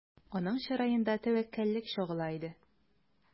Аның чыраенда тәвәккәллек чагыла иде.